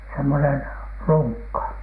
semmoinen lunkka